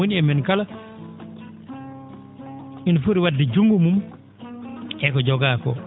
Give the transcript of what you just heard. moni e men kala ina foti wadde junggo mum eko joogua ko